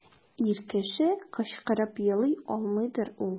Ир кеше кычкырып елый алмыйдыр ул.